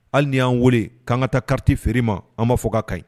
Hali ni y'an weele k'an ka taa kariti feere ma an b'a fɔ ka ɲi